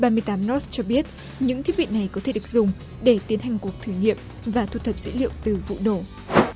ba mươi tám nót cho biết những thiết bị này có thể được dùng để tiến hành cuộc thử nghiệm và thu thập dữ liệu từ vụ đổ